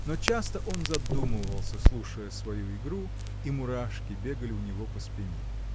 Но часто он задумывался, слушая свою игру, и мурашки бегали у него по спине.